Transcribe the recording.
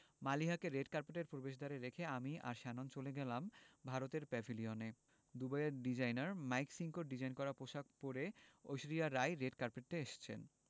মালিহাকে রেড কার্পেটের প্রবেশদ্বারে রেখে আমি আর শ্যানন চলে গেলাম ভারতীয় প্যাভিলিয়নে দুবাইয়ের ডিজাইনার মাইক সিঙ্কোর ডিজাইন করা পোশাক করে ঐশ্বরিয়া রাই রেড কার্পেটে এসেছেন